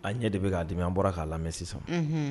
An ɲɛ de bɛ k'a dimi an bɔra k'a lamɛnmi sisan